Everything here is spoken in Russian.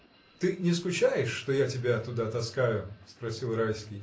— Ты не скучаешь, что я тебя туда таскаю? — спросил Райский.